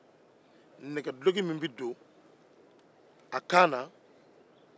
nɛgɛduloki min bɛ don a kan na